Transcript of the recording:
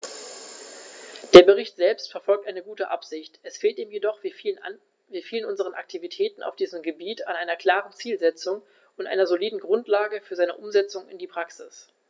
Der Bericht selbst verfolgt eine gute Absicht, es fehlt ihm jedoch wie vielen unserer Aktivitäten auf diesem Gebiet an einer klaren Zielsetzung und einer soliden Grundlage für seine Umsetzung in die Praxis.